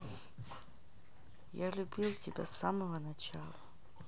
я любил тебя с самого начала